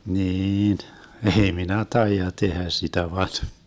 niin ei minä taida tehdä sitä vaan